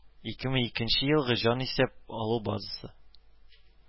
Ике мең икенче елгы җанисәп алу базасы